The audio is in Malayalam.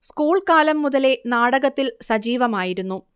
സ്കൂൾ കാലം മുതലേ നാടകത്തിൽ സജീവമായിരുന്നു